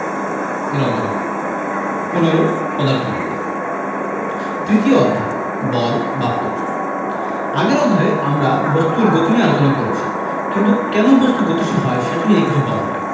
এর অন্তর্ভুক্ত ১৫ পদার্থবিদ্যা তৃতীয় অধ্যায় বল বা ফোরস আগের অধ্যায়ে আমরা বস্তুর গতি নিয়ে আলোচনা করেছি কিন্তু কেন বস্তু গতিশীল হয় সেটি নিয়ে কিছু বলা হয়নি